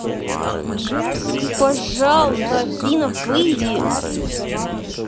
пожалуйста афина выйди